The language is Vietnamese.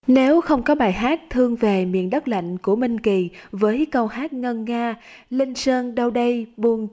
nếu không có bài hát thương về miền đất lạnh của minh kỳ với câu hát ngân nga linh sơn đâu đây buông